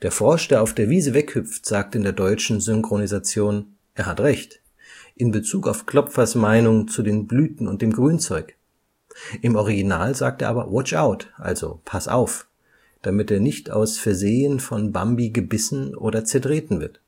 Frosch, der auf der Wiese weghüpft, sagt in der deutschen Synchronisation „ Er hat recht “(in Bezug auf Klopfers Meinung zu den Blüten und dem Grünzeug), im Original aber „ Watch out “(„ Pass auf “), damit er nicht aus Versehen von Bambi gebissen oder zertreten wird